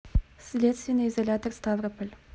следственный изолятор ставрополь